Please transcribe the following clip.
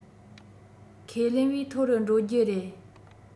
ཁས ལེན བས མཐོ རུ འགྲོ རྒྱུ རེད